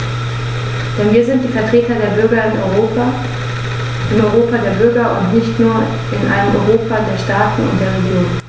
Denn wir sind die Vertreter der Bürger im Europa der Bürger und nicht nur in einem Europa der Staaten und der Regionen.